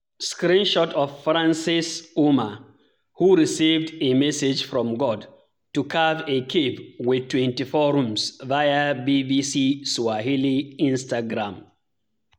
Screenshot of Francis Ouma, who received a message from God to carve a cave with 24 rooms via BBC Swahili / Instagram.